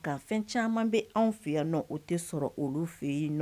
Ka fɛn caman bɛ anw fɛ yan nɔ o tɛ sɔrɔ olu fɛ yen